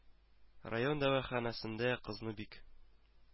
Район дәваханәсендә кызны бик